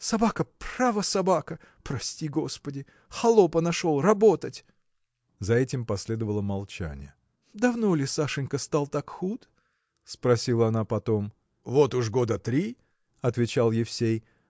Собака, право, собака, прости господи! Холопа нашел работать! За этим последовало молчание. – Давно ли Сашенька стал так худ? – спросила она потом. – Вот уж года три – отвечал Евсей